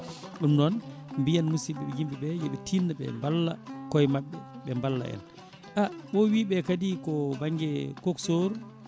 ɗum noon mbiyen musidɗo yimɓeɓe yooɓe tinno ɓe mballa kooye mabɓe ɓe mballa en ɓe o wii ɓe kadi ko banggue coxeur